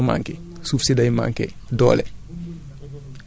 bu dee éléments yooyu dafa manqué suuf si day manqué doole